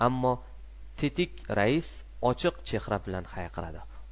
ammo tetik rais ochiq chehra bilan hayqiradi